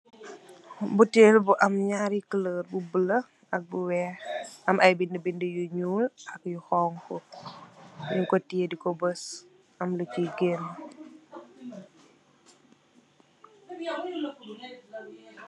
Butel bu am nyaari kuloor, bu bula ak bu weex, am ay bind-bind yu nyuul, ak yu xonxu, nyun ko tiye diko bas, am lu ci gane,